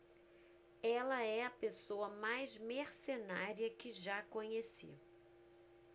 ela é a pessoa mais mercenária que já conheci